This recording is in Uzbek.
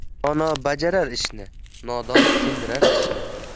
dono bajarar ishni nodon sindirar tishni